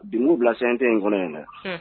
Dunun bila fɛn tɛ in kɔnɔ ye dɛ